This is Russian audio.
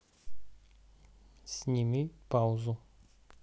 сними паузу